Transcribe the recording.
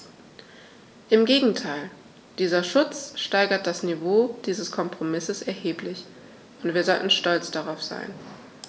Im Gegenteil: Dieser Schutz steigert das Niveau dieses Kompromisses erheblich, und wir sollten stolz darauf sein.